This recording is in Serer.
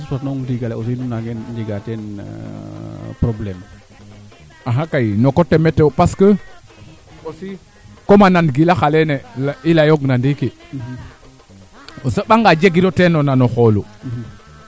ngaaf kaa wundaa to ga'a bul ngaaf no ñisole ando naye ten waru sax teena eeta saqo koy a soɓanga kpoo guerre a guerre ndapna xaƴma to pudar iro ndap na manaam